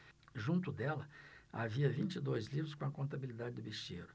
junto dela havia vinte e dois livros com a contabilidade do bicheiro